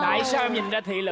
tại sao em nhìn ra thị lực